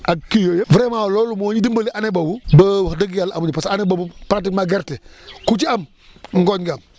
ak kii yooyu yëpp vraiment loolu moo ñu dimbale année boobu ba wax dëgg yàlla amuñu parce que année boobu pratiquement gerte ku ci am ngooñ nga am